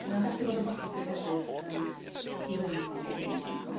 Mae o'n gallu bod yn bositif hefyd yim i rei plant a bobol ifanc ond